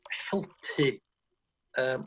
helpu yym